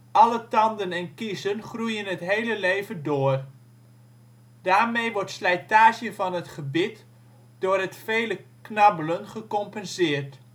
Alle tanden en kiezen groeien het hele leven door. Daarmee wordt slijtage van het gebit door het vele knabbelen gecompenseerd